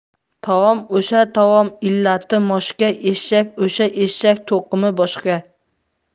taom o'sha taom illati moshga eshak o'sha eshak to'qimi boshqa